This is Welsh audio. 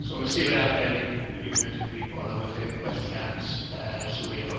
So ma'... Sirau Arbennig yw'r yw'r un mwyaf difrifol a wedyn gwelliant yy sylweddol.